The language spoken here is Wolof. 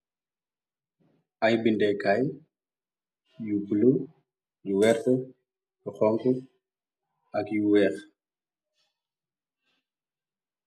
Ay bindekkaay yu bulo, yu werta , xonxo ak yu wéex.